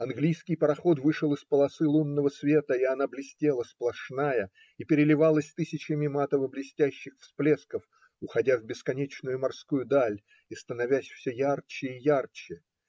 Английский пароход вышел из полосы лунного света, и она блестела, сплошная, и переливалась тысячами матово-блестящих всплесков, уходя в бесконечную морскую даль и становясь все ярче и ярче.